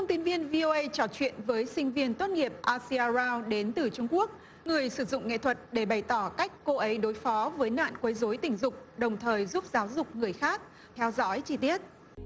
tin viên vi âu ây trò chuyện với sinh viên tốt nghiệp a si a rao đến từ trung quốc người sử dụng nghệ thuật để bày tỏ cách cô ấy đối phó với nạn quấy rối tình dục đồng thời giúp giáo dục người khác theo dõi chi tiết